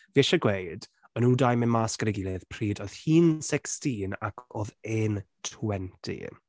Fi isie gweud o nhw dau yn mynd mas gyda’i gilydd pryd oedd hi’n sixteen a oedd e’n twenty.